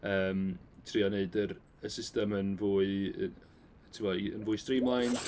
Yym trio wneud yr y system yn fwy yy timod i- yn fwy streamlined